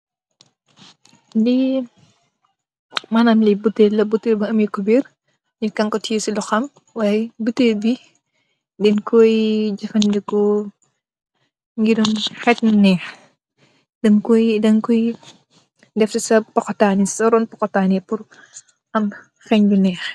Lee nanam lee bottle la bottle bu ame kuberr neet kanku teye se lohom y bottle be dang koye jufaneku geram hegg lu nekh dang koye def se pohutanye sa runn purr am heggu nekh.